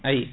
ayi